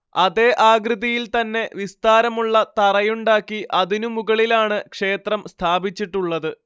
അതേ ആകൃതിയിൽ തന്നെ വിസ്താരമുള്ള തറയുണ്ടാക്കി അതിനു മുകളിലാണ് ക്ഷേത്രം സ്ഥാപിച്ചിട്ടുള്ളത്